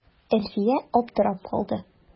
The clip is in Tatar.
Әлфия аптырап калды.